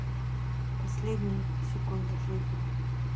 последняя секунда жизни